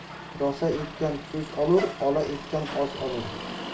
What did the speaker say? rosa ekkan soz olur ola ekkan oz olur